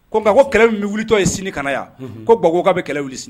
Ko nka ko kɛlɛ bɛ wulitɔ ye sini ka na yan ko baba ka bɛ kɛlɛ wuli sini